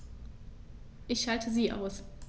Ich schalte sie aus.